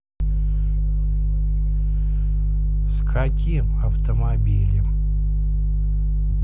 с каким автомобилем